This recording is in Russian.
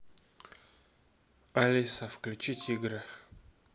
алиса включить игры